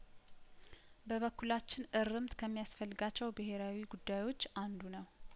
በበኩላችን እርምት ከሚያስፈልጋቸው ብሄራዊ ጉዳዮች አንዱ ነው